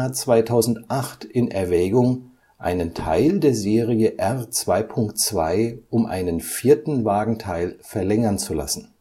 2008 in Erwägung, einen Teil der Serie R 2.2 um einen vierten Wagenteil verlängern zu lassen